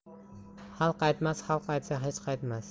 xalq aytmas xalq aytsa hech qaytmas